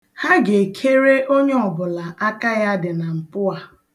Ha ga-ekere onye ọbụla aka ya dị na mpụ a.